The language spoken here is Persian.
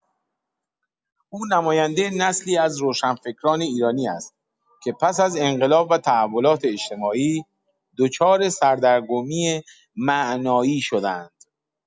او نمایندۀ نسلی از روشنفکران ایرانی است که پس از انقلاب و تحولات اجتماعی، دچار سردرگمی معنایی شدند.